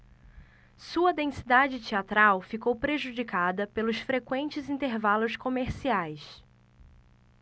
sua densidade teatral ficou prejudicada pelos frequentes intervalos comerciais